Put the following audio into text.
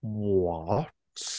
What?